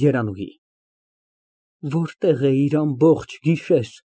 ԵՐԱՆՈՒՀԻ ֊ Որտեղ էիր ամբողջ գիշեր։